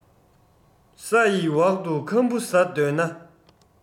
ས ཡི འོག ཏུ ཁམ བུ ཟ འདོད ན